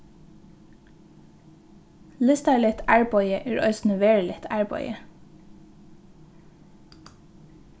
listarligt arbeiði er eisini veruligt arbeiði